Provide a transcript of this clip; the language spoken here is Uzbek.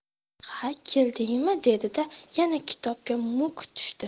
ha keldingmi dedi da yana kitobga muk tushdi